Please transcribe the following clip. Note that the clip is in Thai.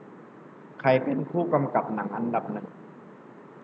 ใครเป็นผู้กำกับหนังอันดับหนึ่ง